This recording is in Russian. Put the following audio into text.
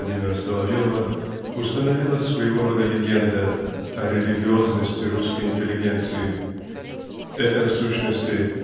Владимира Соловьева установилась своего рода легенда о религиозности русской интеллигенции. Это, в сущности.